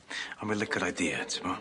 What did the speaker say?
On' fi'n licio'r idea t'mo'?